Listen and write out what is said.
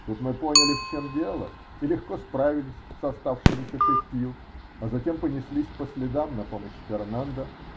Тут мы поняли, в чем дело, и легко справились с оставшимися шестью, а затем понеслись по следам на помощь Фернандо.